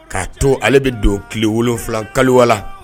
K'a to ale bɛ don ki wolonfila kalowa la